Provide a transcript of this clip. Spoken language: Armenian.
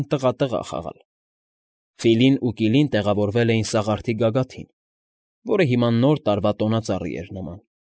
Են տղա֊տղա խաղալ։ Ֆիլին ու Կիլին տեղավորվել էին սաղարթի գագաթին, որը հիմա Նոր տարվա տոնածառի էր նման։